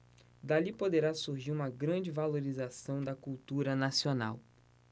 dali poderá surgir uma grande valorização da cultura nacional